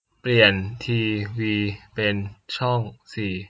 เปลี่ยนทีวีเป็นช่องสี่